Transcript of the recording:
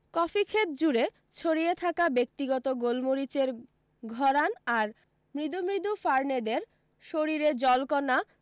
কফিক্ষেত জুড়ে ছড়িয়ে থাকা ব্যক্তিগত গোলমরিচের ঘরাণ আর মৃদু মৃদু ফারণেদের শরীরে জলকনা